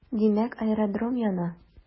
Димәк, аэродром яна.